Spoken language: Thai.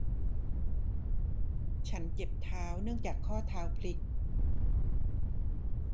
ฉันเจ็บเท้าเนื่องจากข้อเท้าผลิก